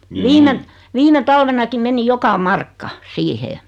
viime viime talvenakin meni joka markka siihen